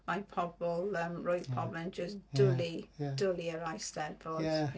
Mae pobl yym... Roedd pobl yn jyst dwlu dwlu yr Eisteddfod.